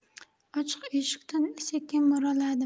ochiq eshikdan sekin mo'raladim